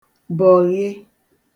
bọ̀ghe